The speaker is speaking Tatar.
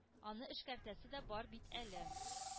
Аны эшкәртәсе дә бар бит әле.